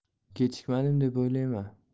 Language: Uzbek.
kechikmadim deb o'ylayman